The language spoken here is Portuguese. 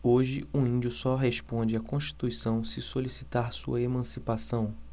hoje o índio só responde à constituição se solicitar sua emancipação